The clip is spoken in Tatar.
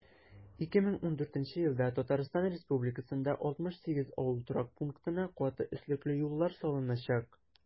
2014 елда татарстан республикасында 68 авыл торак пунктына каты өслекле юллар салыначак.